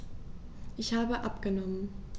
Ich habe abgenommen.